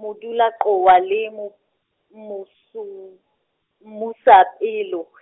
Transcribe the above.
Modulaqhowa, le mo, moso, Mmusapelo.